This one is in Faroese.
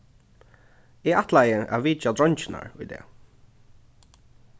eg ætlaði at vitja dreingirnar í dag